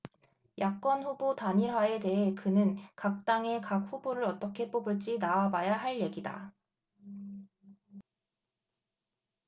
야권후보 단일화에 대해 그는 각당의 각 후보를 어떻게 뽑을지 나와봐야 할 얘기다